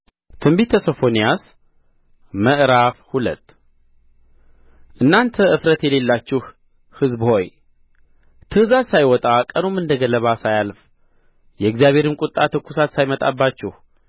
ትንቢተ ሶፎንያስ ምዕራፍ ሁለት እናንተ እፍረት የሌላችሁ ሕዝብ ሆይ ትእዛዝ ሳይወጣ ቀኑም እንደ ገለባ ሳያልፍ የእግዚአብሔርም ቍጣ ትኵሳት ሳይመጣባችሁ